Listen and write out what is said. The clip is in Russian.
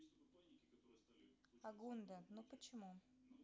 agunda ну почему